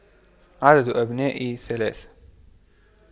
عدد أبنائي ثلاث